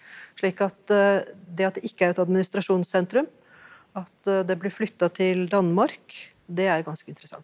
slik at det at det ikke er et administrasjonssentrum, at det ble flytta til Danmark, det er ganske interessant.